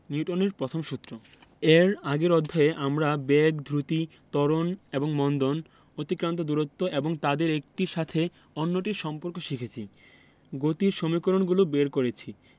নিউটনের প্রথম সূত্র এর আগের অধ্যায়ে আমরা বেগ দ্রুতি ত্বরণ এবং মন্দন অতিক্রান্ত দূরত্ব এবং তাদের একটির সাথে অন্যটির সম্পর্ক শিখেছি গতির সমীকরণগুলো বের করেছি